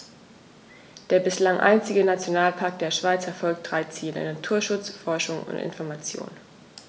Der bislang einzige Nationalpark der Schweiz verfolgt drei Ziele: Naturschutz, Forschung und Information.